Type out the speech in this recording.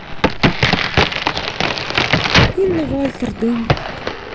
инна вальтер дым